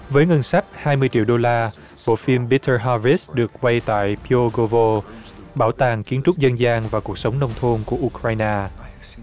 với ngân sách hai mươi triệu đô la bộ phim bít tơ ha vít được quay tại pi ô gô vô bảo tàng kiến trúc dân gian và cuộc sống nông thôn của u cờ rai na